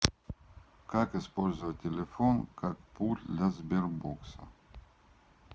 как использовать телефон как пульт для сбербокса